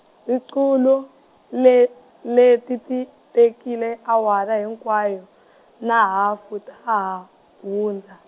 -iqulu le leti ti tekile awara hinkwayo, na hafu ta ha, hundza.